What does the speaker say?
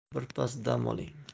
birpas dam oling